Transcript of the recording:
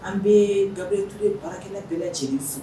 An bɛ datu baarakɛla bɛɛ ci fo